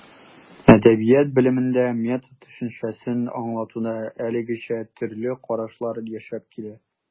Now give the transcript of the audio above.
Әдәбият белемендә метод төшенчәсен аңлатуда әлегәчә төрле карашлар яшәп килә.